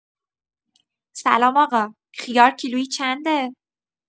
سلام آقا، خیار کیلویی چنده؟